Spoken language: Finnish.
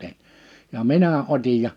se ja minä otin ja